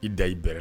I da iirɛ